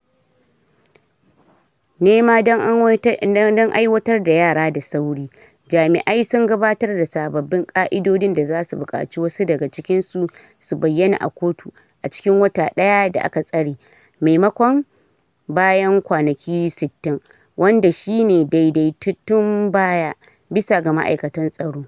Nema don aiwatar da yara da sauri, jami'ai sun gabatar da sababbin ka'idodin da zasu bukaci wasu daga cikinsu su bayyana a kotu a cikin wata daya da aka tsare, maimakon bayan kwanaki 60, wanda shi ne daidaitattun baya, bisa ga ma'aikatan tsaro.